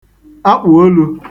akpụ̀olū